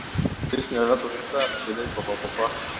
песня ратататата стреляй папапа папапа